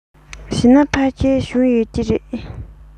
བྱས ན ཕལ ཆེར བྱུང ཡོད ཀྱི རེད